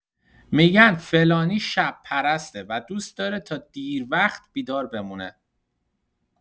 می‌گن فلانی شب‌پرسته و دوست داره تا دیروقت بیدار بمونه.